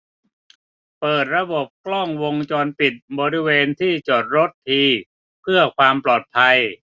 เปิดระบบกล้องวงจรปิดบริเวณที่จอดรถทีเพื่อความปลอดภัย